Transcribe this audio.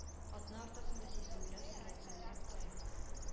Атна уртасында сиземләү сәләтеңә таян